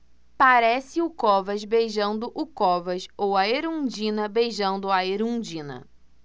parece o covas beijando o covas ou a erundina beijando a erundina